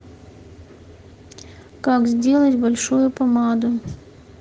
как сделать большую помаду